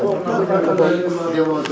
waaw kay ñoo ko bokk